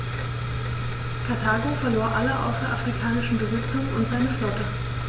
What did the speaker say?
Karthago verlor alle außerafrikanischen Besitzungen und seine Flotte.